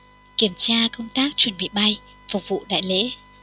kiểm tra công tác chuẩn bị bay phục vụ đại lễ